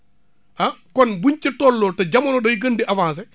ah kon buñ ca tolloo te jamono day gën di avancer